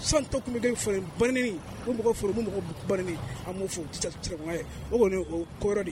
San tɔ tun bɛden fa ban u mɔgɔ fɔlɔ u bɛ mɔgɔ ban a b' fɔ ye o kɔni kɔɔri de